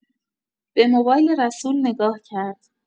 به موبایل رسول نگاه کرد.